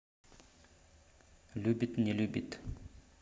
любит не любит